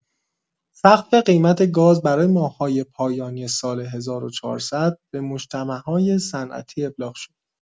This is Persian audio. سقف قیمت گاز برای ماه‌های پایانی سال ۱۴۰۰ به مجتمع‌های صنعتی ابلاغ شد.